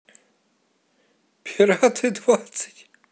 пираты двадцать